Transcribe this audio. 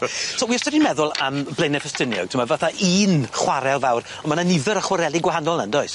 So wi wastod 'di meddwl am Blaene Ffestiniog t'mod fatha un chwarel fawr on' ma' 'na nifer o chwareli gwahanol 'na yndoes?